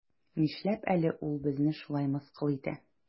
Нишләп әле ул безне шулай мыскыл итә?